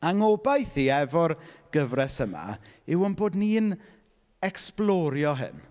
A ngobaith i efo'r gyfres yma yw ein bod ni'n ecsblorio hyn.